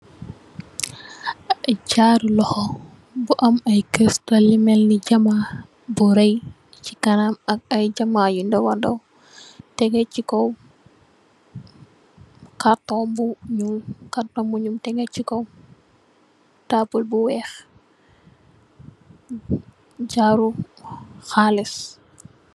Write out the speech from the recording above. Jaarou lokhor bu am aiiy crystal yu melni diamant bu reiyy, chi kanam ak aiiy diamant yu ndaw wa ndaw, tehgeh chi kaw karton bu njull, karton bu njull tehgeh chi kaw taabul bu wekh, jaarou halis.